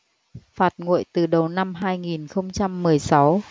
phạt nguội từ đầu năm hai nghìn không trăm mười sáu